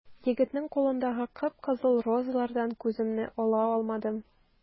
Егетнең кулындагы кып-кызыл розалардан күземне ала алмадым.